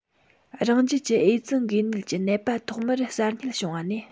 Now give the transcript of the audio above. རང རྒྱལ གྱི ཨེ ཙི འགོས ནད ཀྱི ནད པ ཐོག མར གསར རྙེད བྱུང བ ནས